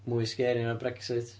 Mwy scary na Brexit.